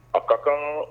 A ka kan